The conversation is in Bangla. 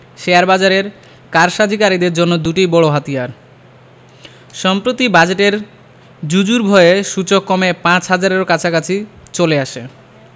শেয়ারবাজারের কারসাজিকারীদের জন্য দুটিই বড় হাতিয়ার সম্প্রতি বাজেটের জুজুর ভয়ে সূচক কমে ৫ হাজারের কাছাকাছি চলে আসে